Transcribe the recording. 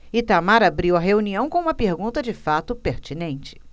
itamar abriu a reunião com uma pergunta de fato pertinente